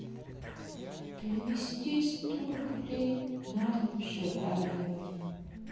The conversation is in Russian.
перевести сто рублей наде ширавьевой